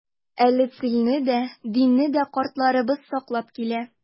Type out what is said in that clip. Әле телне дә, динне дә картларыбыз саклап килә.